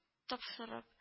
Тапшырып